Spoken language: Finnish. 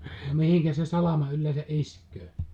no mihin se salama yleensä iskee